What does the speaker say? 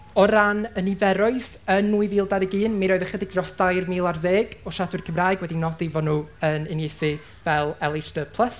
O ran y niferoedd, yn nwy fil dau ddeg un, mi roedd ychydig dros dair mil ar ddeg o siaradwyr Cymraeg wed nodi bod nhw yn uniaethu fel LH D plus